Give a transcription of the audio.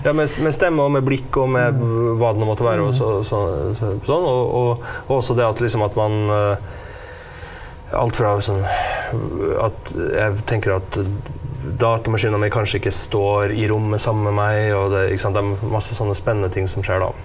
ja med med stemme og med blikk og med hva det nå måtte være, og så sånn og og og også det at liksom at man alt fra sånn at jeg tenker at datamaskinen mi kanskje ikke står i rommet sammen med meg og det er ikke sant det er masse sånne spennende ting som skjer da.